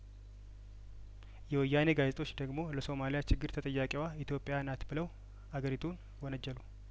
የወያኔ ጋዜጦች ደግሞ ለሶማሊያ ችግር ተጠያቂዋ ኢትዮጵያናት ብለው አገሪቱን ወነጀሉ